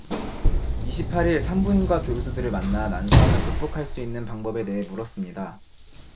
이십 팔 일 산부인과 교수들을 만나 난소암을 극복할 수 있는 방법에 대해 물었습니다